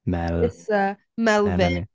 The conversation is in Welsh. Mel... Melissa. Melfyn.